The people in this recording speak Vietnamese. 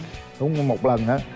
đúng một lần á